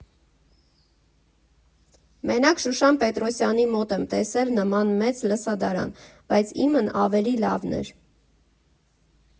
Մենակ Շուշան Պետրոսյանի մոտ եմ տեսել նման մեծ լսադարան, բայց իմն ավելի լավն էր։